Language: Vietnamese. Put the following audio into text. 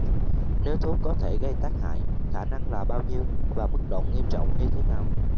nếu thuốc có thể gây tác hại khả năng là bao nhiêu và mức độ nghiêm trọng như thế nào